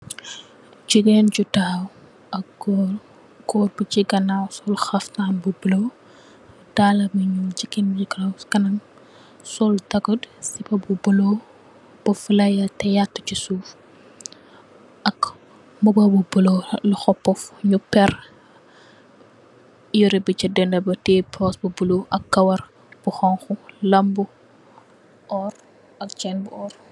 Jigéen ju tahaw ak góor. Gòor bu chi ganaaw sol haftaan bu bulo, daal bu ñuul. Jigéen bi ci kanam sol dagit, sipa bu bulo, poff layat tè yatu ci suuf ak mbuba bu bulo ak loho poff nu pèrr yiré bi ci danabi, tè pos bu bulo ak kawar bu honku, lam bu oorr ak chenn bu orr.